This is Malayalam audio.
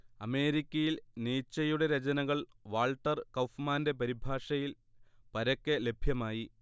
അമേരിക്കയിൽ നീച്ചയുടെ രചനകൾ വാൾട്ടർ കൗഫ്മാന്റെ പരിഭാഷയിൽ പരക്കെ ലഭ്യമായി